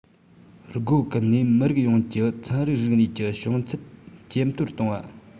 སྒོ ཀུན ནས མི རིགས ཡོངས ཀྱི ཚན རིག རིག གནས ཀྱི བྱང ཚད ཇེ མཐོར གཏོང བ